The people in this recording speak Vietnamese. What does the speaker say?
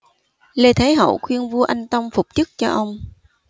lê thái hậu khuyên vua anh tông phục chức cho ông